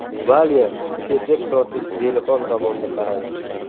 valya sergak tortib zelixon tomonga qaradi